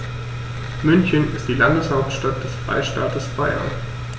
München ist die Landeshauptstadt des Freistaates Bayern.